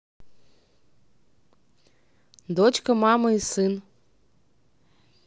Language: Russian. дочка мама и сын